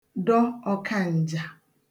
dọ ọ̀kaǹjà